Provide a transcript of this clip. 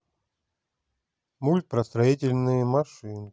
мультики про строительные машинки